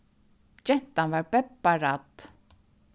gentan var bebbarædd